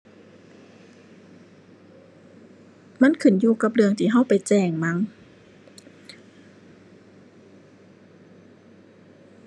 มันขึ้นอยู่เรื่องที่เราไปแจ้งมั้ง